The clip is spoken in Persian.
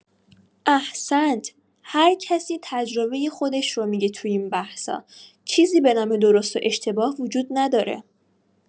احسنت، هر کسی تجربه خودش رو می‌گه تو این بحث‌ها چیزی بنام درست و اشتباه وجود نداره